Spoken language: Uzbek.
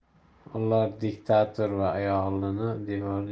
ular diktator va ayolini